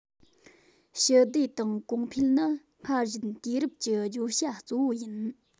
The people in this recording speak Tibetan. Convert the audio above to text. ཞི བདེ དང གོང འཕེལ ནི སྔར བཞིན དུས རབས ཀྱི བརྗོད བྱ གཙོ བོ ཡིན